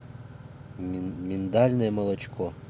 миндальное молочко